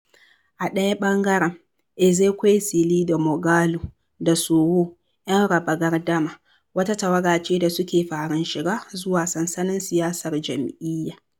A ɗaya ɓangaren, Ezekwesili da Moghalu da Sowore 'yan "raba-gardama" wata tawaga ce da suke farin shiga zuwa sansanin siyasar jam'iyya.